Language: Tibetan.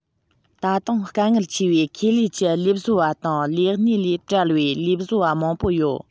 ད དུང དཀའ ངལ ཆེ བའི ཁེ ལས ཀྱི ལས བཟོ པ དང ལས གནས ལས བྲལ བའི ལས བཟོ པ མང པོ ཡོད